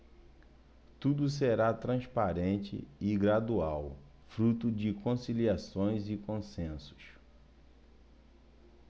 tudo será transparente e gradual fruto de conciliações e consensos